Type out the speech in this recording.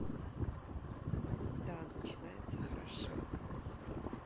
да начинается хорошо